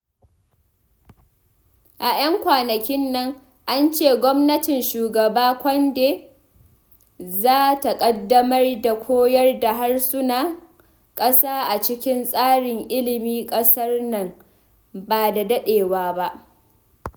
A ‘yan kwanakin nan, an ce gwamnatin Shugaba Condé za ta ƙaddamar da koyar da harsunan ƙasa a cikin tsarin ilimin ƙasar nan ba da daɗewa ba.